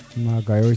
naagayo Thiaw